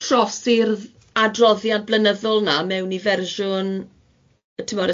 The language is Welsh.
Trosi'r dd- adroddiad blynyddol 'na mewn i fersiwn yy ti'mod